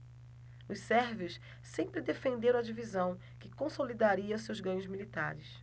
os sérvios sempre defenderam a divisão que consolidaria seus ganhos militares